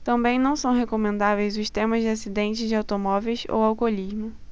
também não são recomendáveis os temas de acidentes de automóveis ou alcoolismo